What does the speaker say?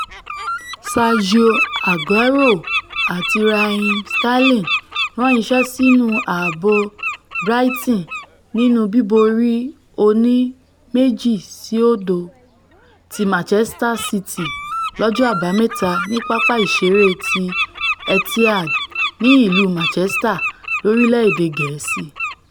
Sergio Aguero àti Raheem Sterling rán iṣẹ́ sínú ààbò Brighton nínú bíborí oní 2-0 ti Manchester City lọ́jọ́ Àbámẹta ni Pápá Ìṣeré ti Etihad ní ìlú Manchester, lorílẹ̀-èdè Gẹ̀ẹ́sì.